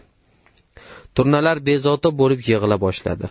turnalar bezovta bo'lib yig'ila boshladi